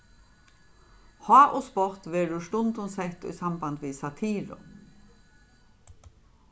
háð og spott verður stundum sett í samband við satiru